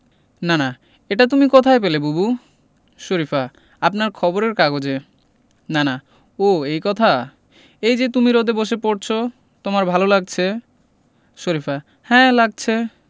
নানা এটা তুমি কোথায় পেলে বুবু শরিফা আপনার খবরের কাগজে নানা ও এই কথা এই যে তুমি রোদে বসে পড়ছ তোমার ভালো লাগছে শরিফা হ্যাঁ লাগছে